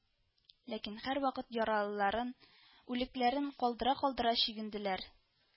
Ләкин һәрвакыт яралыларын, үлекләрен калдыра-калдыра чигенделәр